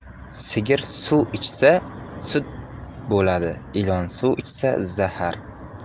sigir suv ichsa sut bo'ladi ilon suv ichsa zahar